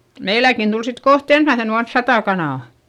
meilläkin tuli sitten kohta ensimmäisenä vuonna sata kanaa